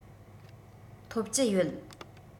ཐོབ ཀྱི ཡོད